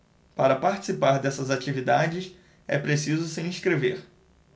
para participar dessas atividades é preciso se inscrever